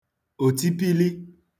òtipili